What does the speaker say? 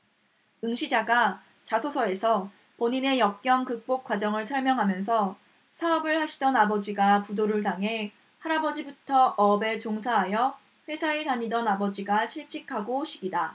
응시자가 자소서에서 본인의 역경 극복 과정을 설명하면서 사업을 하시던 아버지가 부도를 당해 할아버지부터 어업에 종사하여 회사에 다니던 아버지가 실직하고 식이다